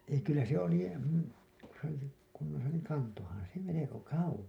ei kyllä se oli kun se oli se kunnossa niin kantoihan se melko kauas